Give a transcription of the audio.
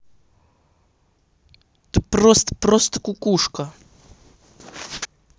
ты просто просто кукушка